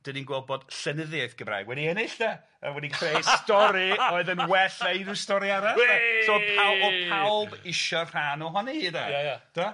'dan ni'n gweld bod llenyddiaeth Gymraeg wedi ennill 'de a wedi creu stori oedd yn well na unryw stori arall... Way! ...so o'dd pawb o'dd pawb isio rhan ohoni hi 'de. Ia ia. Da.